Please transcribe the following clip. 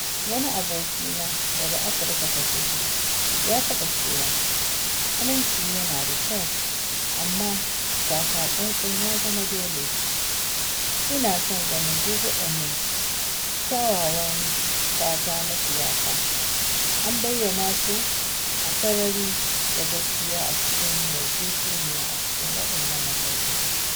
Wani aboki na daga Afirka ta Kudu ya taɓa cewa: “Aminci yana da kyau, amma taka tsantsan ya zama dole!” [..] Ina son ganin duk waɗannan kyawawan fata na siyasa an bayyana su a sarari da gaskiya a cikin yarjejeniyar cikin waɗannan watanni uku!